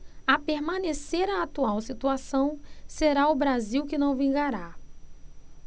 a permanecer a atual situação será o brasil que não vingará